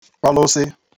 ọlụsị̄